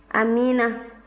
amiina